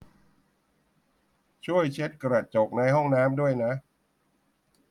ช่วยเช็ดกระจกในห้องน้ำด้วยนะ